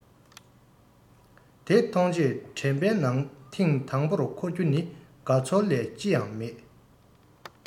དེ མཐོང རྗེས དྲན པའི ནང ཐེངས དང པོར འཁོར རྒྱུ ནི དགའ ཚོར ལས ཅི ཡང མེད